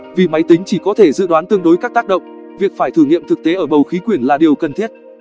vì máy tính chỉ có thể dự đoán tương đối các tác động việc phải thử nghiệm thực tế ở bầu khí quyển là điều cần thiết